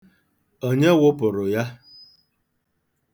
Onye wụpụrụ ya?